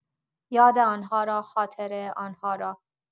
یاد آن‌ها را، خاطره آن‌ها را